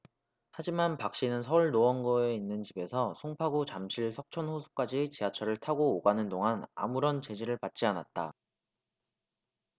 하지만 박씨는 서울 노원구에 있는 집에서 송파구 잠실 석촌호수까지 지하철을 타고 오가는 동안 아무런 제지를 받지 않았다